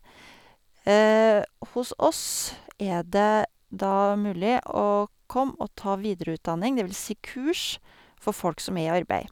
Hos oss er det da mulig å komme og ta videreutdanning, det vil si kurs, for folk som er i arbeid.